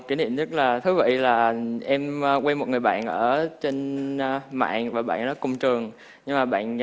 kỷ niệm rất là thú vị là em quen một người bạn ở trên mạng và bạn đó cùng trường nhưng mà bạn